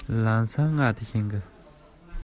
ཅེས བཤད བཞིན རང གི སྨ རར